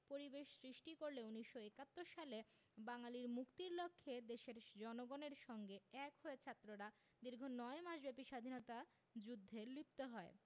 পরিবেশ সৃষ্টি করলে ১৯৭১ সালে বাঙালির মুক্তির লক্ষ্যে দেশের জনগণের সঙ্গে এক হয়ে ছাত্ররা দীর্ঘ নয় মাসব্যাপী স্বাধীনতা যুদ্ধে লিপ্ত হয়